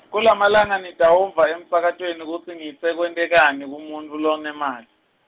kulamalangana nitawuva emsakatweni kutsi ngitse kwentekani kumuntfu lonemali.